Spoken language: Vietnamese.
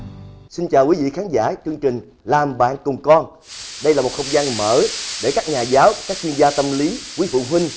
xin chào quý vị và khán giả chương trình làm bạn cùng con đây là một không gian mở để các nhà giáo các chuyên gia tâm lý quý phụ huynh